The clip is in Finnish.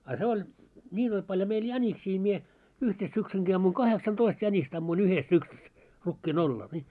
a se oli niin oli paljon meillä jäniksiä minä yhteen syksynkin ammuin kahdeksantoista jänistä ammuin yhdessä syksyssä rukiin oraalla niin